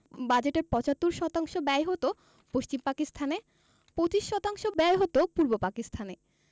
বাজেটের ৭৫% ব্যয় হতো পশ্চিম পাকিস্তানে ২৫% ব্যয় হতো পূর্ব পাকিস্তানে